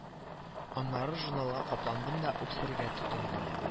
Аннары журналга капландым да үксергә тотындым